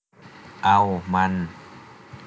เอามัน